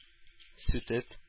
Сүтеп